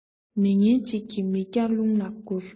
མི ངན གཅིག གིས མི བརྒྱ རླུང ལ བསྐུར